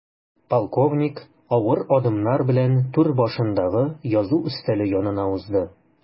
Полковник авыр адымнар белән түр башындагы язу өстәле янына узды.